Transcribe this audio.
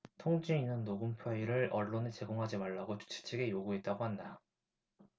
통준위는 녹음 파일을 언론에 제공하지 말라고 주최 측에 요구했다고 한다